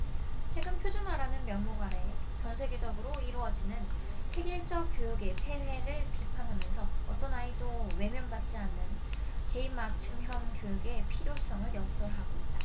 책은 표준화라는 명목 아래 전세계적으로 이뤄지는 획일적 교육의 폐해를 비판하면서 어떤 아이도 외면 받지 않는 개인 맞춤형 교육의 필요성을 역설하고 있다